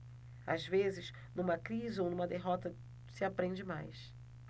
às vezes numa crise ou numa derrota se aprende mais